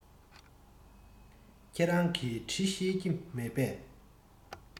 ཁྱེད རང གིས འབྲི ཤེས ཀྱི མེད པས